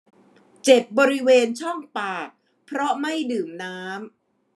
เจ็บบริเวณช่องปากเพราะไม่ดื่มน้ำ